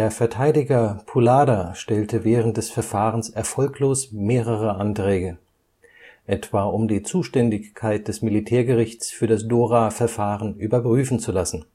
Verteidiger Poullada stellte während des Verfahrens erfolglos mehrere Anträge, etwa um die Zuständigkeit des Militärgerichts für das Dora-Verfahren überprüfen zu lassen